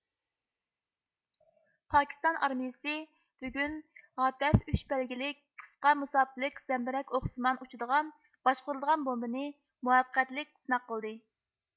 پاكىستان ئارمىيىسى بۈگۈن ھاتەف ئۈچ بەلگىلىك قىسقا مۇساپىلىك زەمبىرەك ئوقىسىمان ئۇچىدىغان باشقۇرۇلىدىغان بومبىنى مۇۋەپپەقىيەتلىك سىناق قىلدى